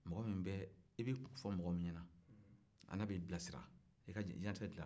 i b'i kun fɔ mɔgɔ min ɲɛna ani b'i bilasira i ka diɲɛnatigɛ dilala